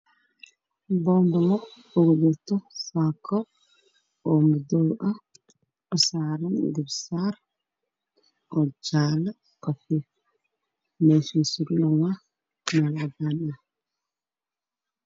Waa boonbalo midabkiisu waa madow go'a midabkiisii yahay dahab